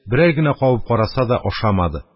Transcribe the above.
Берәр генә кабып караса да ашамады.